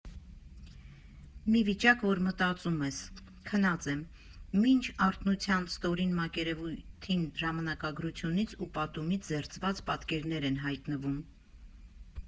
Մի վիճակ, որ մտածում ես՝ քնած եմ, մինչ արթնության ստորին մակերևույթին ժամանակագրությունից ու պատումից զերծված պատկերներ են հայտնվում։